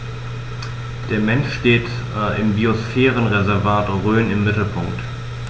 Der Mensch steht im Biosphärenreservat Rhön im Mittelpunkt.